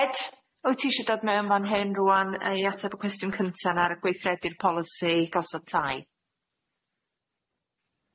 Ed wyt ti isie dod mewn fan hyn rŵan yy i ateb y cwestiwn cynta na ar y gweithredu'r polisi gosodd tai?